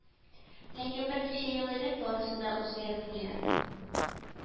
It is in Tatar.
Ләкин берничә ел элек барысы да үзгәреп куя